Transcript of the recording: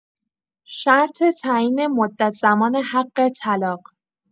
شرط تعیین مدت‌زمان حق طلاق